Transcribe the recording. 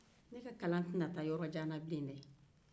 ne ka kalan tɛna taa yɔrɔ jan na bilen dɛ